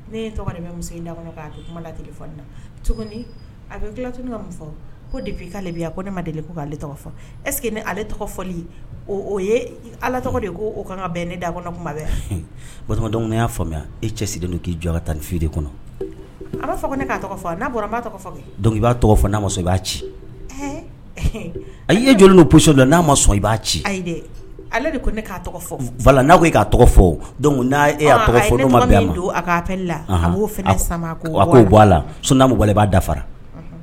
Ne bɛ ne ma deli ko'ale tɔgɔseke ne ale tɔgɔ fɔ ala tɔgɔ de ko kan ne kuma y'a faamuyamu e cɛ k'i jɔ ka tan fi kɔnɔ a b'a fɔ ko ne' tɔgɔ n'a b'a tɔgɔ n'a i b'a ci a ye joli don n'a ma sɔn i b'a ci ale de ko ne tɔgɔ fa' i tɔgɔ fɔ don ap la b a a la b'a dafara